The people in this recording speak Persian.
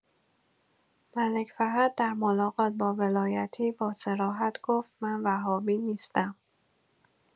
ملک فهد در ملاقات با ولایتی با صراحت گفت من وهابی نیستم.